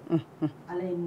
Un ala